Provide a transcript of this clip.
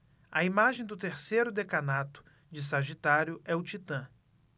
a imagem do terceiro decanato de sagitário é o titã